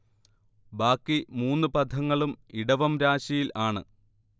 ബാക്കി മൂന്നു പഥങ്ങളും ഇടവം രാശിയിൽ ആണ്